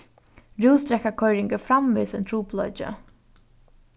rúsdrekkakoyring er framvegis ein trupulleiki